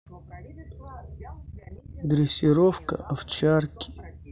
дрессировка овчарки